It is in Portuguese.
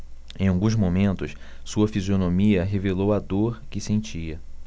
em alguns momentos sua fisionomia revelou a dor que sentia